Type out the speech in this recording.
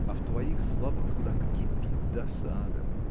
а в твоих словах так и кипит досада